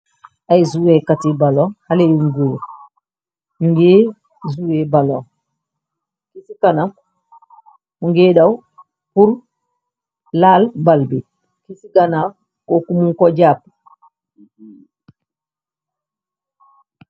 Ay zuwekati balon xale yu gorre, njungeh zuwe balon, kii cii kanam mungeh daw pur laal bal bi, ki ci ganaw koku munko japue.